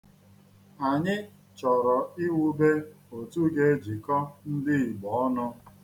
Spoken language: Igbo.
Anyị chọrọ iwube otu ga-ejiko ndị Igbo ọnụ.